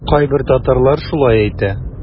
Кайбер татарлар шулай әйтә.